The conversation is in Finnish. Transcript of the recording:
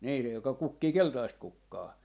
niin se joka kukkii keltaista kukkaa